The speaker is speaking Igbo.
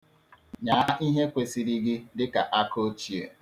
Nyaa ihe kwesịrị gị dịka akaochie.